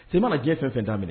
Se mana diɲɛ fɛn fɛn daminɛ minɛ